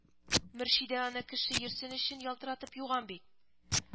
Мөршидә аны кеше йөрсен өчен ялтыратып юган бит